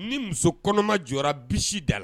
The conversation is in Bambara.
Ni muso kɔnɔma jɔra bisimila dala la